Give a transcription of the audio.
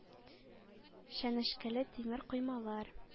Чәнечкеле тимер коймалар.